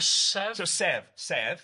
Ysef? So sef, sef.